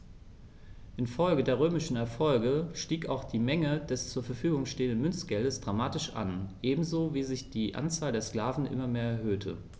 Infolge der römischen Erfolge stieg auch die Menge des zur Verfügung stehenden Münzgeldes dramatisch an, ebenso wie sich die Anzahl der Sklaven immer mehr erhöhte.